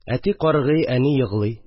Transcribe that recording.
Әти каргый, әни егълый